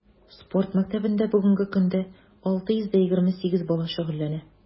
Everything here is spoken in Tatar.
Спорт мәктәбендә бүгенге көндә 628 бала шөгыльләнә.